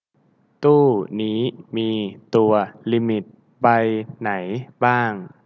ตู้นี้มีตัวลิมิตใบไหนบ้าง